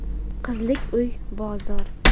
qizlik uy bozor